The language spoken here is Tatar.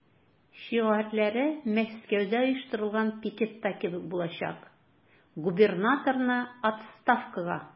Шигарьләре Мәскәүдә оештырылган пикетта кебек булачак: "Губернаторны– отставкага!"